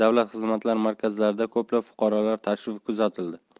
davlat xizmatlari markazlariga ko'plab fuqarolar tashrifi kuzatildi